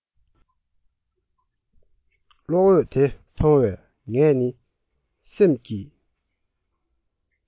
གློག འོད དེ མཐོང བས ང ནི སེམས ཀྱི